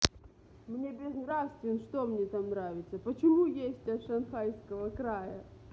мне безнравствен что мне там нравится почему есть от шанхайского края